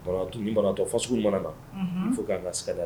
Tɔ fo sugu mana na fo'an ka saya